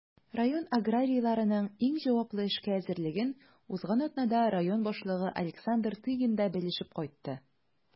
Район аграрийларының иң җаваплы эшкә әзерлеген узган атнада район башлыгы Александр Тыгин да белешеп кайтты.